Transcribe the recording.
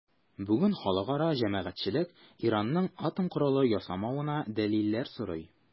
Бүген халыкара җәмәгатьчелек Иранның атом коралы ясамавына дәлилләр сорый.